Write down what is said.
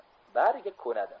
bariga ko'nadi